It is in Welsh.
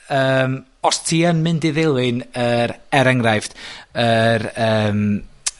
yym, os ti yn mynd i ddilyn yr, er enghraifft, yr yym